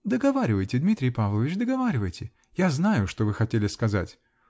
-- Договаривайте, Дмитрий Павлович, договаривайте -- я знаю, что вы хотели сказать.